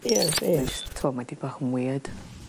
Ie ie. Mae jys t'o' mae 'di bach yn wierd.